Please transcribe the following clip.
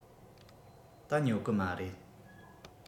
ད ཉོ གི མ རེད